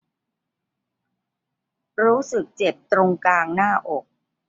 รู้สึกเจ็บตรงกลางหน้าอก